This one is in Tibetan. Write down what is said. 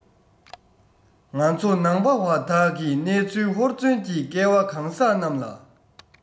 ང ཚོ ནང པ བ དག གིས གནས ཚུལ ཧུར བརྩོན གྱིས སྐལ བ གང ཟག རྣམས ལ